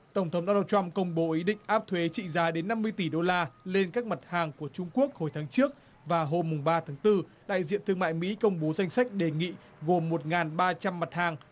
tổng thống đo nồ trăm công bố ý định áp thuế trị giá đến năm mươi tỷ đô la lên các mặt hàng của trung quốc hồi tháng trước và hôm mùng ba tháng tư đại diện thương mại mỹ công bố danh sách đề nghị gồm một nghìn ba trăm mặt hàng